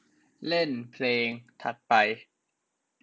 เล่นเพลงถัดไป